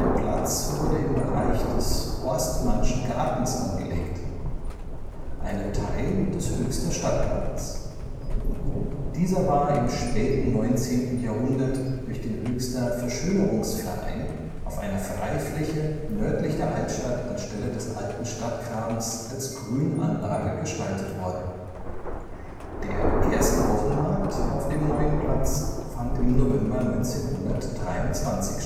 Platz wurde im Bereich des „ Horstmannschen Gartens “angelegt, einem Teil des Höchster Stadtgartens. Dieser war im späten 19. Jahrhundert durch den Höchster Verschönerungsverein auf einer Freifläche nördlich der Altstadt anstelle des alten Stadtgrabens als Grünanlage gestaltet worden. Der erste Wochenmarkt auf dem neuen Platz fand im November 1923